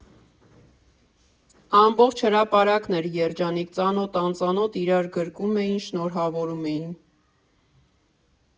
Ամբողջ հրապարակն էր երջանիկ, ծանոթ֊անծանոթ իրար գրկում էին, շնորհավորում էին։